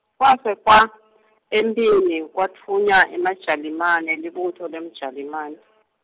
kwase kwa, emphini kwatfunywa emaJalimane libutfo leMjalimane.